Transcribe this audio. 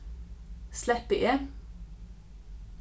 sleppi eg